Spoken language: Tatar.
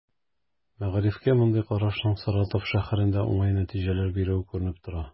Мәгарифкә мондый карашның Саратов шәһәрендә уңай нәтиҗәләр бирүе күренеп тора.